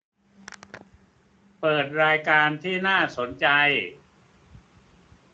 เปิดรายการที่น่าสนใจ